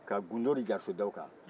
ka gundori jariso da o kan